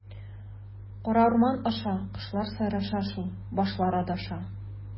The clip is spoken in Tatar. Кара урман аша, кошлар сайраша шул, башлар адаша.